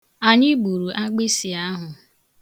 Anyị gburu agbịsị ahu.